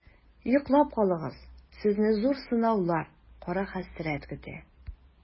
Йоклап калыгыз, сезне зур сынаулар, кара хәсрәт көтә.